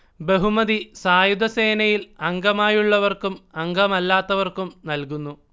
ബഹുമതി സായുധസേനയിൽ അംഗമായുള്ളവർക്കും അംഗമല്ലാത്തവർക്കും നൽകുന്നു